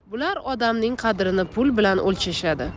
bular odamning qadrini pul bilan o'lchashadi